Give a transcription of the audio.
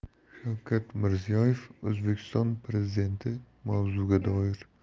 shavkat mirziyoyev o'zbekiston prezidentimavzuga doir